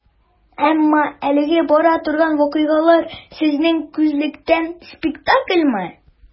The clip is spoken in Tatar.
Әмма әлегә бара торган вакыйгалар, сезнең күзлектән, спектакльмы?